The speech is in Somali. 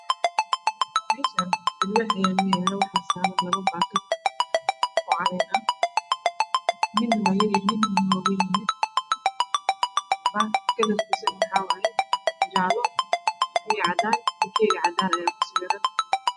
Meeshaan alwaax ayaa inoo yaala waxaa saaran labo baakad oo cad midna waa wayn yahay midna waa yar yahay. Baakad ka kalarkiisu waxa waaye jaalo iyo cadaan bakeeri cadaan ah ayaa ku sawiran.